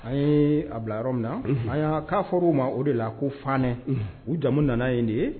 An ye a bila yɔrɔ min na a y' k'a fɔ o ma o de la ko faɛ u jamu nana ye de ye